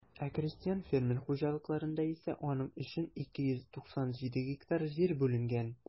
Ә крестьян-фермер хуҗалыкларында исә аның өчен 297 гектар җир бүленгән.